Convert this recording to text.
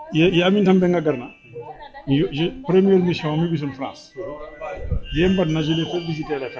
Yee Aminta Mbengue garna première mission mi' ɓisun France ye i mbarna.